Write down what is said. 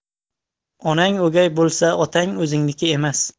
onang o'gay bo'lsa otang o'zingniki emas